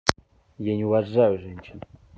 я не уважаю женщин